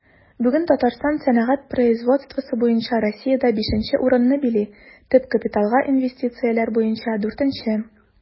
Бүген Татарстан сәнәгать производствосы буенча Россиядә 5 нче урынны били, төп капиталга инвестицияләр буенча 4 нче.